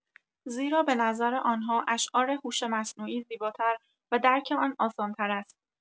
زیرا به نظر آنها اشعار هوش مصنوعی زیباتر و درک آن آسان‌تر است.